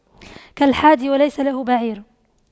كالحادي وليس له بعير